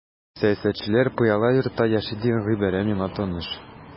Сәясәтчеләр пыяла йортта яши дигән гыйбарә миңа таныш.